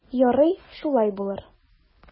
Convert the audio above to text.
Ярый, шулай булыр.